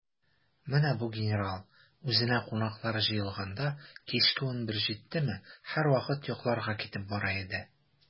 Менә бу генерал, үзенә кунаклар җыелганда, кичке унбер җиттеме, һәрвакыт йокларга китеп бара иде.